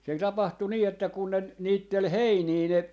se tapahtui niin että kun ne niitteli heiniä ne